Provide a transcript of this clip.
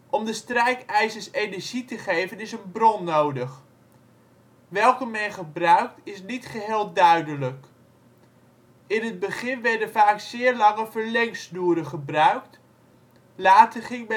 Om de strijkijzers energie te geven is een bron nodig; welke men gebruikt is niet geheel duidelijk. In het begin werden vaak zeer lange verlengsnoeren gebruikt, later ging